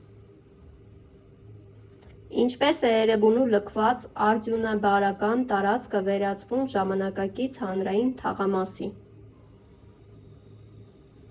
Ինչպես է Էրեբունու լքված արդյունեբարական տարածքը վերածվում ժամանակակից հանրային թաղամասի։